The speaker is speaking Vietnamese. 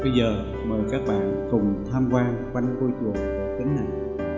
bây giở mời các bạn cùng tham quan quanh ngôi chùa cổ kính này